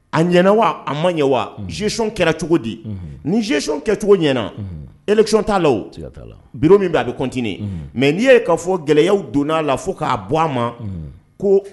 A ɲɛna wa a ma ɲɛ wa kɛra cogo di nion kɛcogo ɲɛna eon t'a la min bila a bɛ kɔntinin mɛ n'i ye' fɔ gɛlɛya donna'a la fo k'a bɔ a ma ko